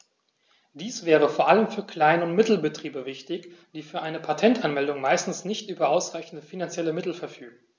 Dies wäre vor allem für Klein- und Mittelbetriebe wichtig, die für eine Patentanmeldung meistens nicht über ausreichende finanzielle Mittel verfügen.